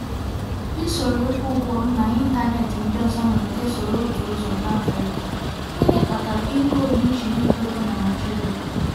Usoro ịkwụ ụgwọ n'ịntanetị ndị ọzọ nwere ike soro otu ụzọ n'Afrịka: Gịnị kpatara e-goldu ji na-ekwo ekwo na Nigeria?